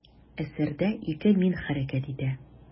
Әсәрдә ике «мин» хәрәкәт итә.